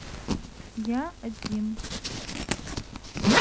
я один